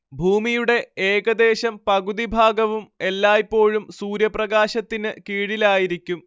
ഭൂമിയുടേ ഏകദേശം പകുതി ഭാഗവും എല്ലായ്പ്പോഴും സൂര്യപ്രകാശത്തിന് കീഴിലായിരിക്കും